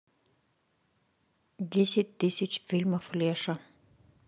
десять тысяч фильмов леша